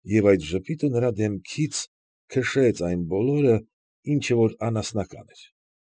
Եվ այդ ժպիտը նրա դեմքից քշեց այն բոլորը, ինչ որ անասնական էր։